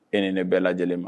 E ni ne bɛɛ lajɛlen ma